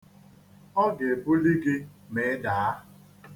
Ọ ga-ebuli gị ma ị daa.